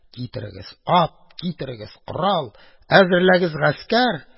Китерегез ат, китерегез корал, әзерләгез гаскәр!